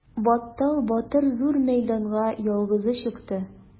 Баттал батыр зур мәйданга ялгызы чыкты.